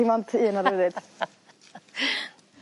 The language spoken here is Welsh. Dim ond ti nawr efyd.